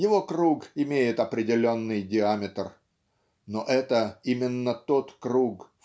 его круг имеет определенный диаметр но это именно тот круг